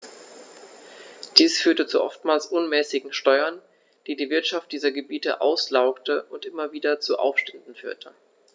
Dies führte zu oftmals unmäßigen Steuern, die die Wirtschaft dieser Gebiete auslaugte und immer wieder zu Aufständen führte.